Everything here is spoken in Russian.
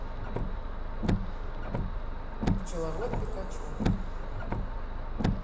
пчеловод пикачу